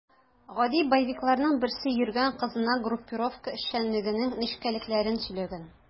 Гади боевикларның берсе йөргән кызына группировка эшчәнлегенең нечкәлекләрен сөйләгән.